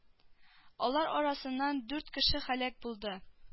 Алар арасыннан дүрт кеше һәлак булды